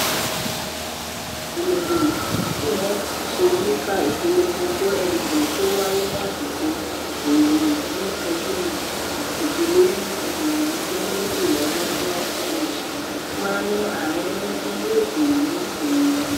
Àwọn àmì wà pé ìpolongo yìí - tí wọ́n ṣe yíká ìpolongo Go Elephants tí ó wáyé ní àsìkò ooru ní ọdún 2008 ní Norwich - máa ní arinrin tí yóò sì ní gbọ́n gbọ́n